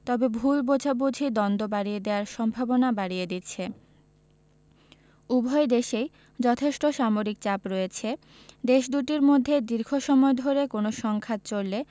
তবে ভুল বোঝাবুঝি দ্বন্দ্ব বাড়িয়ে দেওয়ার সম্ভাবনা বাড়িয়ে দিচ্ছে উভয় দেশেই যথেষ্ট সামরিক চাপ রয়েছে দেশ দুটির মধ্যে দীর্ঘ সময় ধরে কোনো সংঘাত চললে